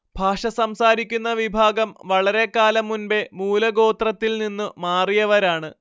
ഭാഷ സംസാരിക്കുന്ന വിഭാഗം വളരെക്കാലം മുൻപെ മൂലഗോത്രത്തിൽനിന്നു മാറിയവരാണ്